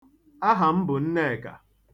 Aha m bụ Nneka.